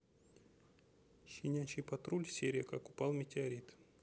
щенячий патруль серия как упал метеорит